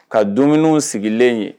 Ka dumuni sigilen ye